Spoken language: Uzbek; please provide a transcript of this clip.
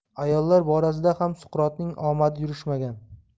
ayollar borasida ham suqrotning omadi yurishmagan